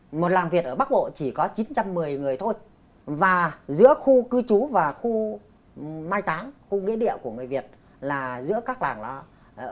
một làng việt ở bắc bộ chỉ có chín trăm mười người thôi và giữa khu cư trú và khu mai táng ở nghĩa địa của người việt là giữa các làng